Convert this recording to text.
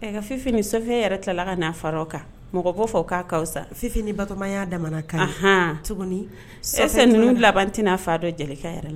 E ka Fifi ni Sɔfɛ yɛrɛ tilala kana far'ɔ kan mɔgɔ b'o fɔ k'a ka wusa Fifi ni Batoma y'a damana cas ye anhaaan tuguni est ce que ninnu laban te na fa don Jelikɛ yɛrɛ la